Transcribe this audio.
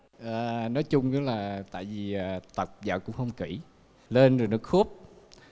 ờ nói chung á là tại vì tập dược cũng không kĩ nên rồi nó khớp